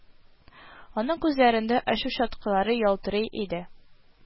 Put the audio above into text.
Аның күзләрендә ачу чаткылары ялтырый иде